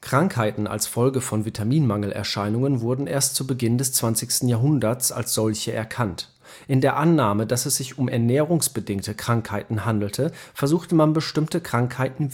Krankheiten als Folge von Vitaminmangelerscheinungen wurden erst zu Beginn des 20. Jahrhunderts als solche erkannt. In der Annahme, dass es sich um ernährungsbedingte Krankheiten handele, versuchte man bestimmte Krankheiten